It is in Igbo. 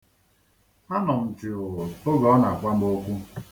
Anọ m jụụ oge ọ na-agwa m okwu.